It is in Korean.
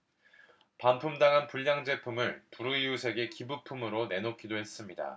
반품당한 불량제품을 불우이웃에 기부품으로 내놓기도 했습니다